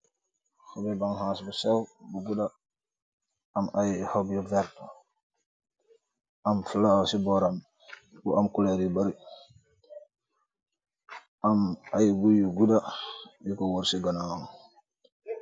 Hohbii bankhass bu sew bu guda am aiiy hopp yu vert, am flower c bohram bu am couleur yu bari, am aiiy kuiiy yu guda yukor wohrr ci ganawam.